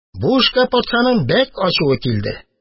Бу эшкә патшаның бик ачуы килде.